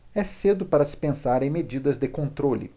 é cedo para se pensar em medidas de controle